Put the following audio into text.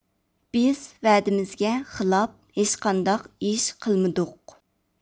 بىز ۋەدىمىزگە خىلاپ ھېچقانداق ئىش قىلمىدۇق